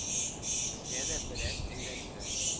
Безгә дә бераз өйрәтте